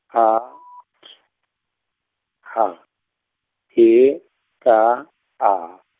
A T H E K A.